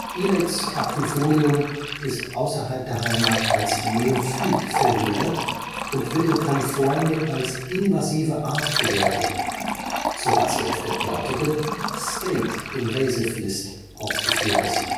Ilex aquifolium ist außerhalb der Heimat als Neophyt verwildert und wird in Kalifornien als invasive Art bewertet, sodass sie auf der dortigen „ State Invasive List “aufgeführt ist